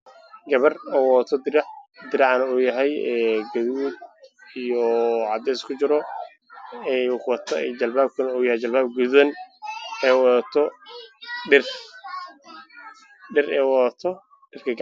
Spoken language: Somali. Waxaa ii muuqata maamo waxay gacanta ku wada geeda qashin ah oo cagaaran waxa ay wadataa xijaab ra